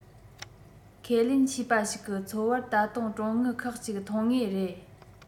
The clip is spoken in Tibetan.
ཁས ལེན བྱིས པ ཞིག གི འཚོ བར ད དུང གྲོན དངུལ ཁག གཅིག འཐོན ངེས རེད